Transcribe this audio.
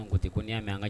An n ko tɛ ko n y'a